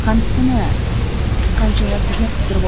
qamchisini qanjig'asiga qistirib